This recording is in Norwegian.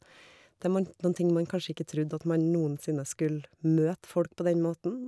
Det man noen ting man kanskje ikke trodde, at man noen sinne skulle møte folk på den måten.